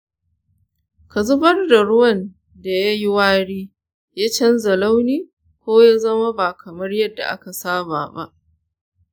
ka zubar da ruwan da ya yi wari, ya canza launi, ko ya zama ba kamar yadda aka saba ba.